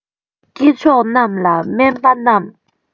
སྐྱེས མཆོག རྣམས ལ དམན པ རྣམས